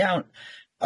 Iawn.